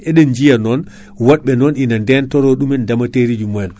eɗen jiya non woɗɓe ina dentoro ɗum ndemanteri mumen